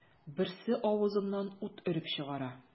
Берсе авызыннан ут өреп чыгара.